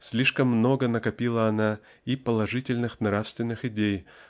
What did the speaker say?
слишком много накопила она и положительных нравственных идей